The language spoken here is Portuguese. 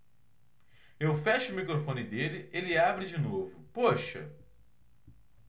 eu fecho o microfone dele ele abre de novo poxa